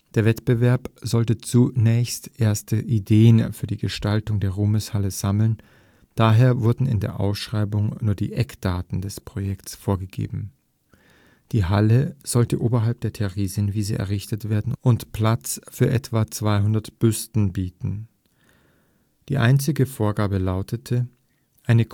Der Wettbewerb sollte zunächst erste Ideen für die Gestaltung der Ruhmeshalle sammeln, daher wurden in der Ausschreibung nur die Eckdaten des Projekts vorgegeben: Die Halle sollte oberhalb der Theresienwiese errichtet werden und Platz für etwa 200 Büsten bieten. Die einzige Vorgabe lautete: „[…